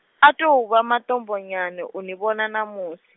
a tou vha matombo nyana uni vhona ṋamusi.